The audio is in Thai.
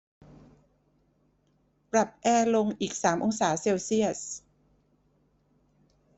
ปรับแอร์ลงอีกสามองศาเซลเซียส